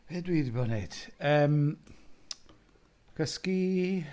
Beth dwi 'di bod yn wneud? Yym cysgu...